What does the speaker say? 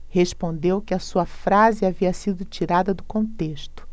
respondeu que a sua frase havia sido tirada do contexto